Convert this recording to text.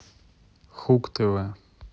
хуг тв